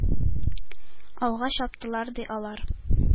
Алга чаптылар, ди, алар.